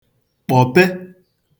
kpọ̀pe